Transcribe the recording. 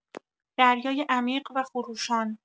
دریای عمیق و خروشان